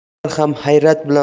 ular ham hayrat bilan